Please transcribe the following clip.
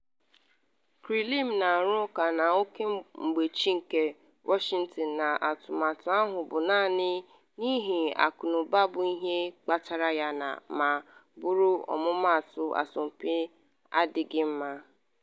Kremlin na-arụ ụka na oke mgbachi nke Washington n’atụmatụ ahụ bụ naanị n’ihi akụnụba bụ ihe kpatara ya ma bụrụ ọmụmatụ asompi n’adịghị mma.